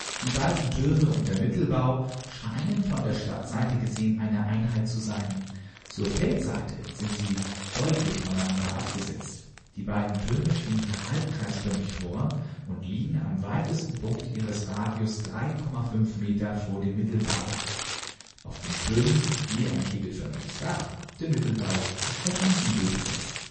Die beiden Türme und der Mittelbau scheinen von der Stadtseite gesehen eine Einheit zu sein. Zur Feldseite sind sie deutlich voneinander abgesetzt. Die beiden Türme stehen hier halbkreisförmig vor und liegen am weitesten Punkt ihres Radius 3,5 Meter vor dem Mittelbau. Auf den Türmen sitzt je ein kegelförmiges Dach; der Mittelbau ist von einem Giebel besetzt